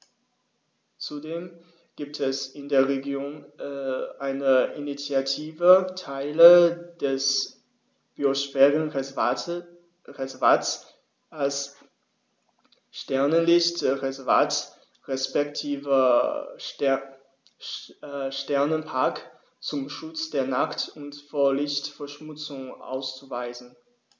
Zudem gibt es in der Region eine Initiative, Teile des Biosphärenreservats als Sternenlicht-Reservat respektive Sternenpark zum Schutz der Nacht und vor Lichtverschmutzung auszuweisen.